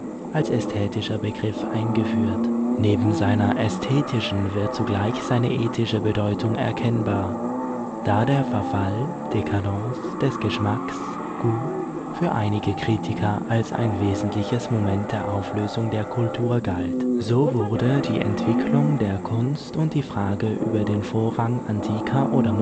als ästhetischer Begriff eingeführt. Neben seiner ästhetischen wird zugleich seine ethische Bedeutung erkennbar, da der Verfall (décadence) des Geschmacks (goût) für einige Kritiker als ein wesentliches Moment der Auflösung der Kultur galt. So wurde die Entwicklung der Kunst und die Frage über den Vorrang antiker oder